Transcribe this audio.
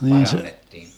parannettiin